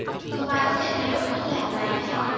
không ai có thể thay đổi cách làm này thay họ